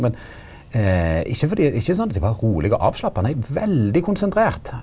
men ikkje fordi at ikkje sånn at eg var roleg og avslappa nei veldig konsentrert.